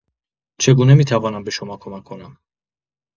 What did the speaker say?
چگونه می‌توانم به شما کمک کنم؟